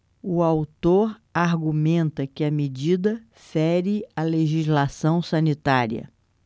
o autor argumenta que a medida fere a legislação sanitária